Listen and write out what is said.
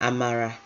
àmàrà